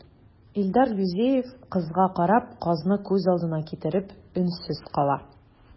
Илдар Юзеев, кызга карап, казны күз алдына китереп, өнсез кала.